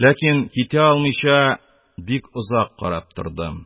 Ләкин, китә алмыйча, бик озак карап тордым.